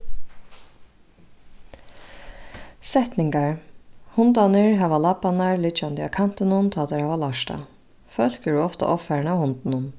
setningar hundarnir hava labbarnar liggjandi á kantinum tá teir hava lært tað fólk eru ofta ovfarin av hundunum